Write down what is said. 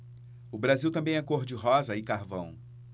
o brasil também é cor de rosa e carvão